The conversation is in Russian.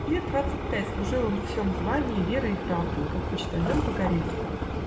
Лет двадцать пять служил он в сем звании верой и правдою, как почталион Погорельского.